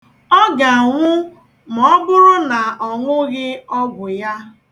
Ọ ga-anwụ maọbụrụ na ọṅụghị ọgwụ ya.